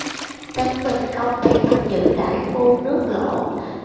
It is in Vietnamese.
tấn bình công bèn bắt giữ đại phu nước lỗ